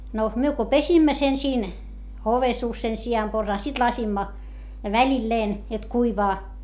no me kun pesimme sen siinä ovensuussa sen sianporsaan sitten laskimme välillään jotta kuivaa